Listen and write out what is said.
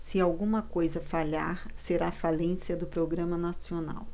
se alguma coisa falhar será a falência do programa nacional